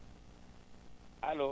allo